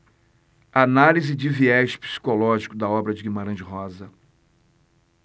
análise de viés psicológico da obra de guimarães rosa